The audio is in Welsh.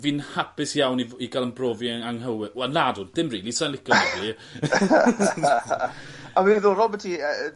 fi'n hapus iawn i f- i ga'l 'yn brofi yn anghywir wel nadw dim rili sai'n lico fe rili. A mae'n ddiddorol bo' ti yy yy